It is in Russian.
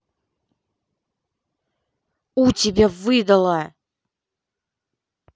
у тебя выдала